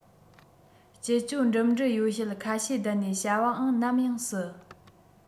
སྤྱི སྤྱོད འགྲིམ འགྲུལ ཡོ བྱད ཁ ཤས བསྡད ནས བྱ བའང ནམ ཡང སྲིད